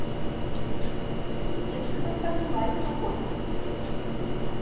я тебе поставлю лайк какой